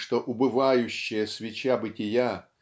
что убывающая свеча бытия